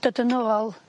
dod yn ôl